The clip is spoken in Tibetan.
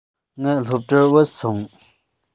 ང སློབ གྲྭར བུད སོང